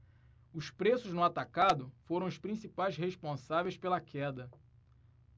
os preços no atacado foram os principais responsáveis pela queda